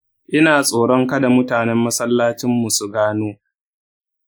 ina tsoron kada mutanen masallacin mu su gano.